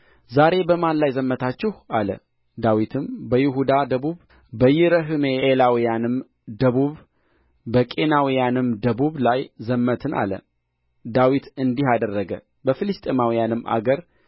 ዛሬ በማን ላይ ዘመታችሁ አለ ዳዊትም በይሁዳ ደቡብ በይረሕምኤላውያንም ደቡብ በቄናውያንም ደቡብ ላይ ዘመትን አለ ዳዊት እንዲህ አደረገ በፍልስጥኤማውያንም አገር